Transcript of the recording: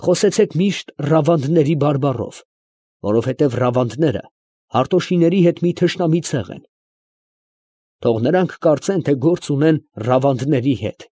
Խոսեցեք միշտ Ռավանգների բարբառով, որովհետև Ռավանգները Հարտոշիների հետ մի թշնամի ցեղ են. թող նրանք կարծեն, թե գործ ունեն Ռավանգների հետ։